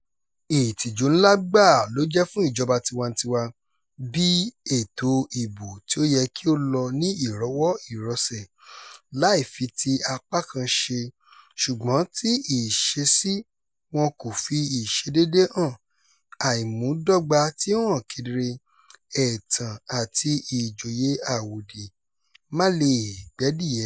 Ìtìjú ńlá gbáà ló jẹ́ fún ìjọba tiwantiwa, bí ètò ìbò tí o yẹ kí ó lọ ní ìrọwọ́-ìrọsẹ̀ láì fi ti apá kan ṣe, ṣùgbọ́n tí ìṣesíi wọn kò fi ìṣedéédé hàn, àìmúdọ́gba tí ó hàn kedere, ẹ̀tàn àti ìjòye àwòdì máà le è gbẹ́dìẹ.